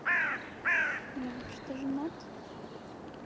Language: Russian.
я вообще то женат